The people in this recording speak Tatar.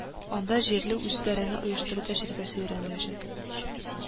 Анда җирле үзидарәне оештыру тәҗрибәсе өйрәнеләчәк